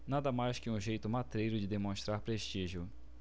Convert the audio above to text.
nada mais que um jeito matreiro de demonstrar prestígio